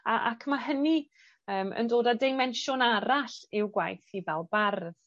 A ac ma' hynny yym yn dod â dimensiwn arall i'w gwaith hi fel bardd.